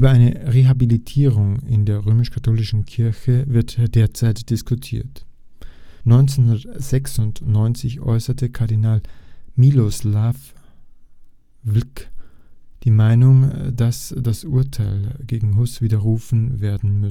eine Rehabilitierung in der römisch-katholischen Kirche wird seit dem Ende des 20. Jahrhunderts diskutiert. 1996 äußerte Kardinal Miloslav Vlk die Meinung, dass das Urteil gegen Hus widerrufen werden